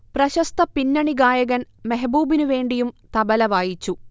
പ്രശസ്ത പിന്നണിഗായകൻ മെഹബൂബിനു വേണ്ടിയും തബല വായിച്ചു